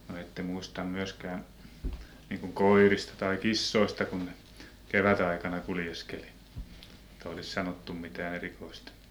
no ette muista myöskään niin kuin koirista tai kissoista kun ne kevätaikana kuljeskeli että olisi sanottu mitään erikoista